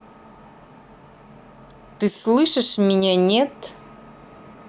ты слышишь меня нет